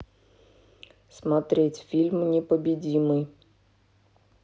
смотреть фильм непобедимый